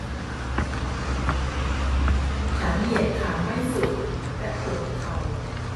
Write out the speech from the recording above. ฉันเหยียดขาไม่สุดและปวดเข่า